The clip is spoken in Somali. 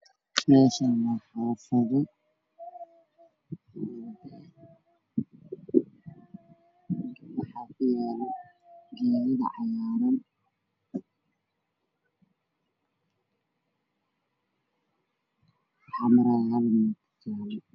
Meeshaan waa xaafado waxaa kuyaalo geedo cagaaran, waxaa meesha maraayo hal nin.